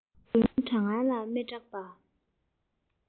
དགུན གྲང ངར ལ མི སྐྲག པ